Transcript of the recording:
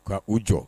K ka u jɔ